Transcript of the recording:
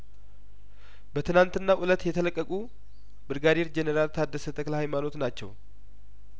በትናትናው እለት የተለቀቁ ብርጋዴር ጄኔራል ታደሰ ተክለሀይማኖት ናቸው